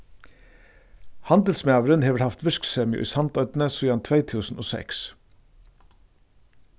handilsmaðurin hevur havt virksemi í sandoynni síðani tvey túsund og seks